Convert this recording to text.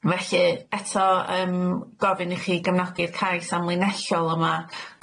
felly eto yym gofyn i chi gefnogi'r cais amlinelliol yma